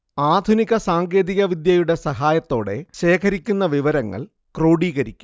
ആധുനിക സാങ്കേതിക വിദ്യയുടെ സഹായത്തോടെ ശേഖരിക്കുന്ന വിവരങ്ങൾ ക്രോഡീകരിക്കും